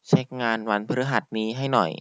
เช็คงานวันพฤหัสนี้ให้หน่อย